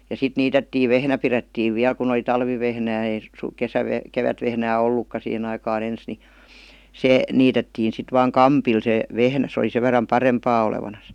ja sitten niitettiin vehnä pidettiin vielä kun oli talvivehnää ei -- kevätvehnää ollutkaan siihen aikaan ensin niin se niitettiin sitten vain kampilla se vehnä se oli sen verran parempaa olevinaan